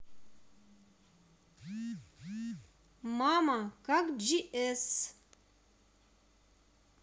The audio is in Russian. мама как jc